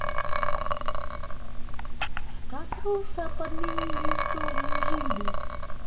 как руссо подменили историю жиды